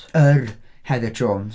Yr Heather Jones.